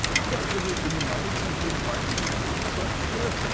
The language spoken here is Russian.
Так как же вы понимаете и принимаете людей, батюшка?